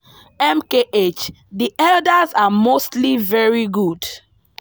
MKH: The elders are mostly very good.